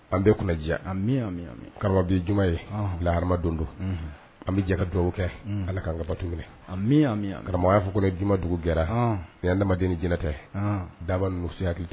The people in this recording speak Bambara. An bɛ kunnaja Kariba bi ye juma ye lahɔrɔma don do an bɛ jɛ ka dugawu kɛ Ala k'a wagatiw la karamɔgɔ an b'a fɔ ko juma dugu gɛra ni hadamaden ni jinɛ ta ye daba